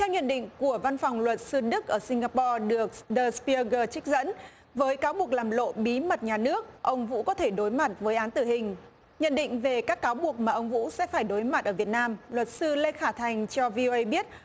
theo nhận định của văn phòng luật sư đức ở sin ga bo được đơ sờ bia gơ trích dẫn với cáo buộc làm lộ bí mật nhà nước ông vũ có thể đối mặt với án tử hình nhận định về các cáo buộc mà ông vũ sẽ phải đối mặt ở việt nam luật sư lê khả thành cho vi ô ây biết